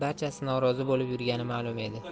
barchasi norozi bo'lib yurgani malum edi